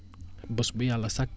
bës bu Yàlla sàkk